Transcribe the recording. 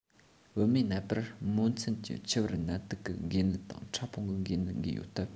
བུད མེད ནད པར མོ མཚན གྱི ཆུ བུར ནད དུག གི འགོས ནད དང ཕྲ ཕུང གི འགོས ནད འགོས ཡོད སྟབས